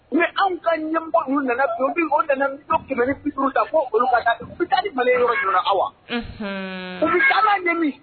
Ni anw ka ɲɛ' nana don bɛ o kɛmɛ oluta mali yɔrɔ joona wa usaba ɲɛmi